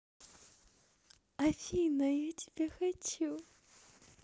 афина я тебя хочу